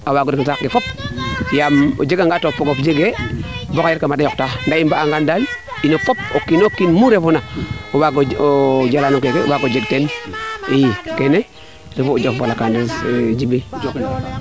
a waago ref no saxx le fop yaam o jega nga fop saate fe jegee bo xaye kaa maado yoq taa bo ga a ngan daal ino fop o kiino kiin mu refoona o waago jela no keene i kene ten ref o jafo fala ka ndes Djiby